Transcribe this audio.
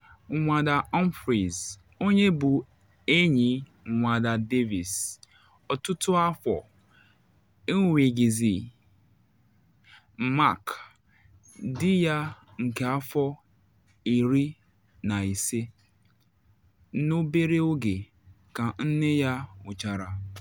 Nwada Humphreys, onye bụ enyi Nwada Davies ọtụtụ afọ, enweghịzị Mark, di ya nke afọ 15, n’obere oge ka nne ya nwụchara.